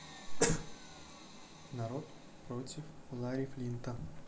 народ против ларри флинта